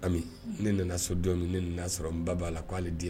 Ami ne nana sɔrɔ dɔn min ne nana'a sɔrɔ n nba'a la k' aleale di ye